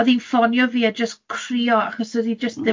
Oedd hi'n ffonio fi a jyst crio, achos oedd hi jyst... M-hm